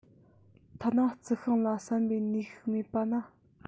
ཐ ན རྩི ཤིང ལ བསམ པའི ནུས ཤུགས མེད པ ན